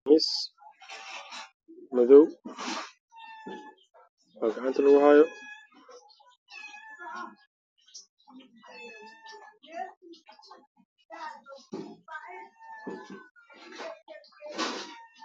Wa qamiis midabkiisii yahay madow